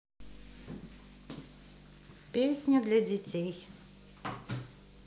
песня для детей